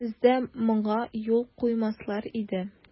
Бездә моңа юл куймаслар иде.